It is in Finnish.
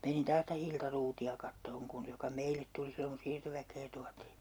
menin taas sitä Hilta Ruutia katsomaan kun joka meille tuli silloin kun siirtoväkeä tuotiin